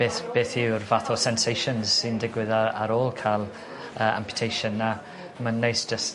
beth beth yw'r fath o sentations sy'n digwydd a- ar ôl ca'l yy amputation a ma'n neis jyst